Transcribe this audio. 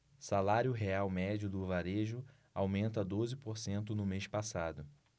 salário real médio do varejo aumenta doze por cento no mês passado